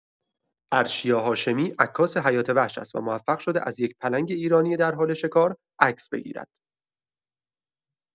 عرشیا هاشمی، عکاس حیات‌وحش است و موفق شده از یک پلنگ ایرانی در حال شکار عکس بگیرد.